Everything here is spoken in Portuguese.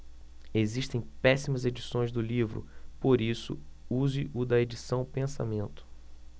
existem péssimas edições do livro por isso use o da edição pensamento